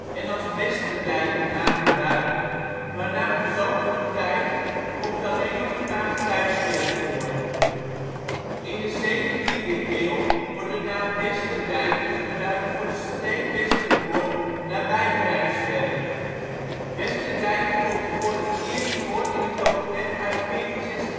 en als ' Westerdijken ' aangeduid, maar naar verloop van tijd komt alleen nog de naam Grijpskerk voor. In de 17e eeuw wordt de naam ' Westerdijken ' gebruikt voor de streek Westerhorn nabij Grijpskerk. Westerdijken komt voor het eerst voor in een document uit 1426 en